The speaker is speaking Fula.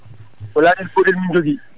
ko lanel gootel min njogii